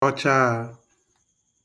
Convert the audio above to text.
ọchaā